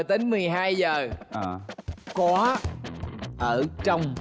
đến mười hai giờ có ở trong